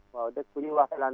waaw dëkk bu ñuy wax *